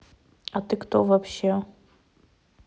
а ты кто вообще